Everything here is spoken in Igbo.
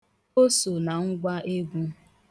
O so na ngwa egwu.